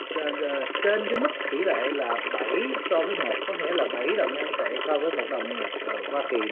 trên giờ trên cái mức tỷ lệ là bảy so với một có nghĩa là bảy đồng nhân tệ so với một đồng ở hoa kỳ ó